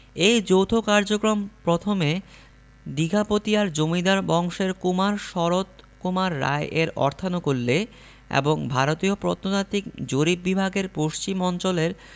এ যৌথ কার্যক্রম প্রথমে দিঘাপতিয়ার জমিদার বংশের কুমার শরৎ কুমার রায় এর অর্থানুকূল্যে এবং ভারতীয় প্রত্নতাত্ত্বিক জরিপ বিভাগের পশ্চিম অঞ্চলের